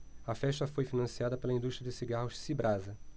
a festa foi financiada pela indústria de cigarros cibrasa